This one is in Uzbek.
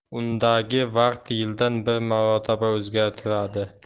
undagi vaqt yilda bir marotaba o'zgartiriladi